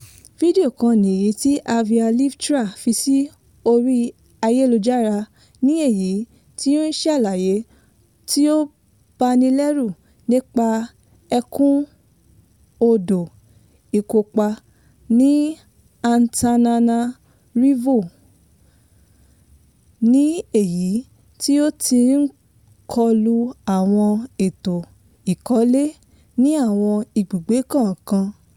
Fídíò kan nìyí tí avyalvitra fi sí orí ayélujára ní èyí tí ó ń ṣàlàyé tí ó bani lẹ́rù nípa ẹ̀kún odò Ikopa ní Antananarivo, ní èyí tí ó ti ń kọlu àwọn ètò ìkọ́lé ní àwọn ibùgbé kọ̀ọ̀kan.